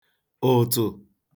ụ̀tụ̀